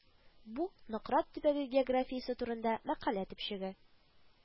Бу Нократ төбәге географиясе турында мәкалә төпчеге